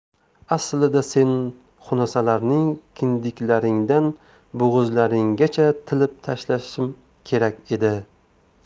aslida sen xunasalarning kindiklaringdan bo'g'izlaringgacha tilib tashlashim kerak edi